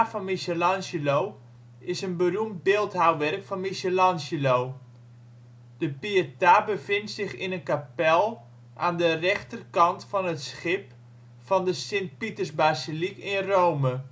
van Michelangelo is een beroemd beeldhouwwerk van Michelangelo. De pietà bevindt zich in een kapel aan de rechterkant van het schip van de Sint-Pietersbasiliek in Rome